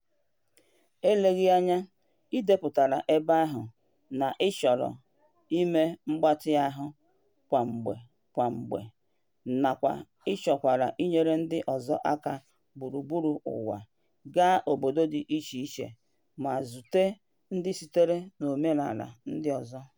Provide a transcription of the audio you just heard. Eleghị anya, i depụtala ebe ahụ na ị chọrọ ime mgbatịahụ kwa mgbe kwa mgbe, nakwa ị chọkwara inyere ndị ọzọ aka gburugburu ụwa, gaa obodo dị icheiche ma zute ndị sitere n'omenala ndị ọzọ.